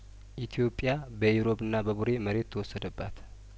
ኢትዮጵያ በኢሮብና በቡሬ መሬት ተወሰደባት